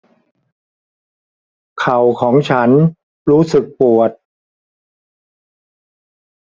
เข่าของฉันรู้สึกปวด